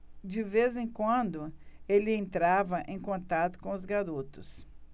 de vez em quando ele entrava em contato com os garotos